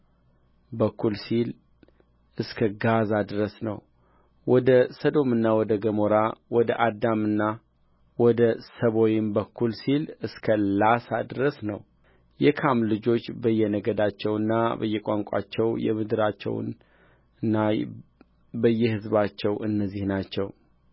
በኩል ሲል እስከ ጋዛ ድረስ ነው ወደ ሰዶምና ወደ ገሞራ ወደ አዳማና ወደ ሰቦይም በኩልም ሲል እስከ ላሣ ድረስ ነው የካም ልጆች በየነገዳቸውና በየቋንቋቸው በየምድራችውና በየሕዝባቸው እነዚህ ናቸው